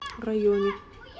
районе